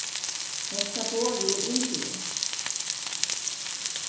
hetta borðið er umbiðið